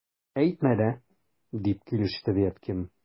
Әйтмә дә! - дип килеште Веткин.